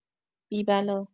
بی بلا